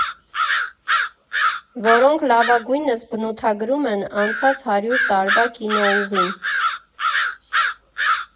Որոնք լավագույնս բնութագրում են անցած հարյուր տարվա կինոուղին։